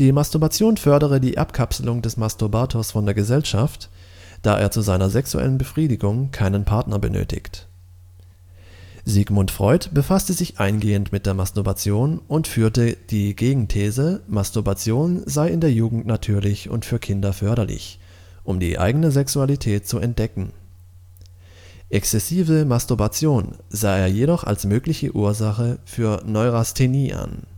Masturbation fördere die Abkapselung des Masturbators von der Gesellschaft, da er zu seiner sexuellen Befriedigung keinen Partner benötigt. Sigmund Freud befasste sich eingehend mit der Masturbation und führte die Gegenthese, Masturbation sei in der Jugend natürlich und für Kinder förderlich, um die eigene Sexualität zu entdecken. Exzessive Masturbation sah er jedoch als mögliche Ursache für Neurasthenie an